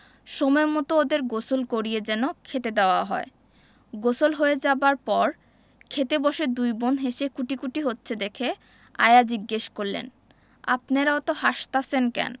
সময়মত ওদের গোসল করিয়ে যেন খেতে দেওয়া হয় গোসল হয়ে যাবার পর খেতে বসে দুই বোন হেসে কুটিকুটি হচ্ছে দেখে আয়া জিজ্ঞেস করলেন আপনেরা অত হাসতাসেন ক্যান